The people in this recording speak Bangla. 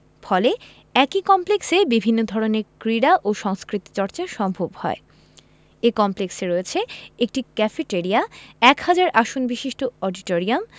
ফলে একই কমপ্লেক্সে বিভিন্ন ধরনের ক্রীড়া ও সংস্কৃতি চর্চা সম্ভব হয় এ কমপ্লেক্সে রয়েছে একটি ক্যাফেটরিয়া এক হাজার আসনবিশিষ্ট অডিটোরিয়াম